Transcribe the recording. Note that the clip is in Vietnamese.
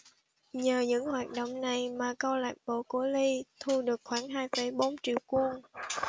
nhờ những hoạt động này mà câu lạc bộ của lee thu được khoảng hai phẩy bốn triệu won